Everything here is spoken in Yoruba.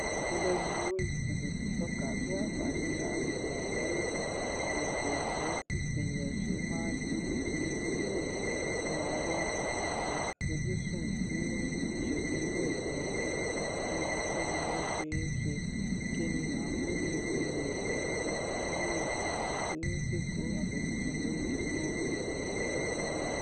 Gẹ́gẹ́ bí OECD tí tọ́ka, bí àǹfààní ààyè àgbáyé ètò ẹ̀kọ́ ìpìlẹ̀ ṣe máa di ohun tí yóò máa wà, àfojúsùn tí ó ní ṣe pẹ̀lú ẹ̀kọ́ ọdún 2015 ni ó ṣeé ṣe kí ní àkóónú ìpele ètò ẹ̀kọ́ sẹ́kọ́ńdírì tí yóò sì kó àfojúsùn lórí kíkọ́ ẹ̀kọ́ tí ó lágbára.